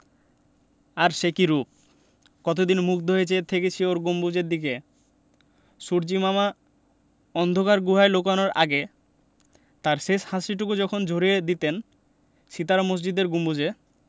আর সে কি রুপ কতদিন মুগ্ধ হয়ে চেয়ে থেকেছি ওর গম্বুজের দিকে সূর্য্যিমামা অন্ধকার গুহায় লুকানোর আগে তাঁর শেষ হাসিটুকু যখন ঝরিয়ে দিতেন সিতারা মসজিদের গম্বুজে